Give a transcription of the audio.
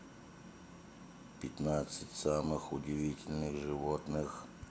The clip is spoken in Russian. пятнадцать самых удивительных животных